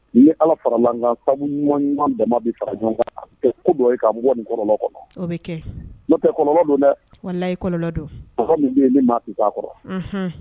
Ni ye ala faralan ɲɔgɔn ɲuman fara ɲɔgɔn dɔ ni kɔnɔ o bɛ kɛ no don dɛ kɔ don ye ne maa'a kɔrɔ